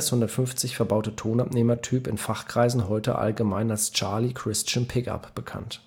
ES-150 verbaute Tonabnehmertyp in Fachkreisen heute allgemein als „ Charlie-Christian-Pickup “bekannt